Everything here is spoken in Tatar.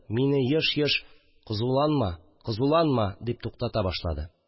Мине еш- еш: «кызуланма! кызуланма!» – дип туктата башлады